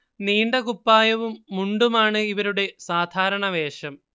നീണ്ട കുപ്പായവും മുണ്ടുമാണ് ഇവരുടെ സാധാരണ വേഷം